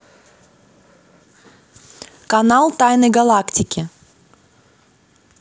канал тайны галактики